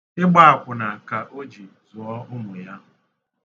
Ịgba akwụna ka o ji zụọ ụmụ yạ